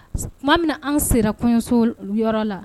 Tuma min an sera kɔɲɔso yɔrɔ la